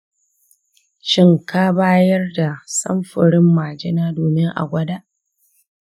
shin ka bayar da samfurin majina domin a gwada?